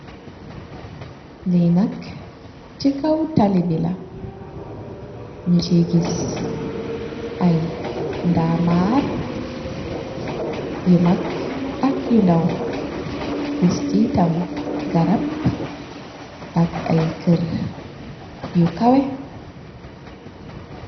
Li nak si kaw talibi la nyu si giss ay ndamar yu maag ak yu ndaw giss si tam garab ak ay keur yu kaweh.